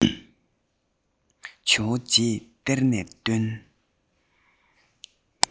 ཇོ བོ རྫེས གཏེར ནས བཏོན